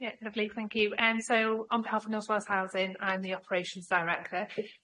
Yeah, lovely thank you. On behalf of North Wales housing, I'm the operations director.